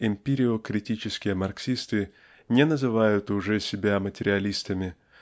эмпириокритические марксисты не называют уже себя материалистами